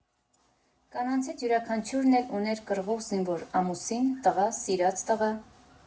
Կանանցից յուրքանաչյուրն էլ ուներ կռվող զինվոր՝ ամուսին, տղա, սիրած տղա։